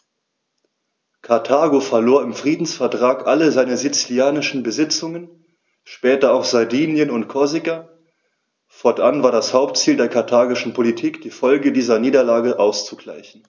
Karthago verlor im Friedensvertrag alle seine sizilischen Besitzungen (später auch Sardinien und Korsika); fortan war es das Hauptziel der karthagischen Politik, die Folgen dieser Niederlage auszugleichen.